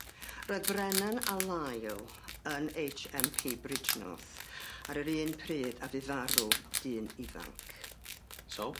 Roedd Brennan a Lyle yn Eitch Em Pee Bridgenorth ar yr un pryd a fu farw dyn ifanc. So?